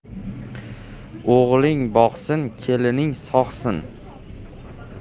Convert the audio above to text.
o'g'ling boqsin kelining sog'sin